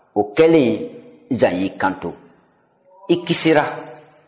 o kɛlen zan y'i kanto i kisira